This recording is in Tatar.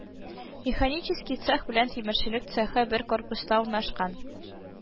Механический цех белән тимерчелек цехы бер корпуста урнашкан